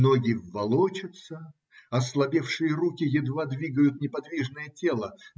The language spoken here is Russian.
Ноги волочатся, ослабевшие руки едва двигают неподвижное тело.